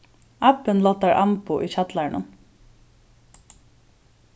abbin loddar amboð í kjallaranum